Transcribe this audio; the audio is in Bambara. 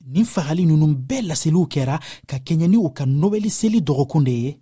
nin fagali ninnu bɛɛ laseliw kɛra ka kɛɲɛ n'u ka nowɛli seli dɔgɔkun de ye